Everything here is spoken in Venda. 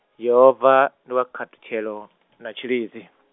Yehova, ndi wa khathutshelo , na tshilidzi.